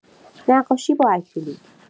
نقاشی با اکریلیک